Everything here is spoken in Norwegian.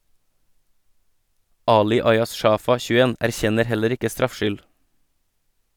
Ali Ayaz Shafa (21) erkjenner heller ikke straffskyld.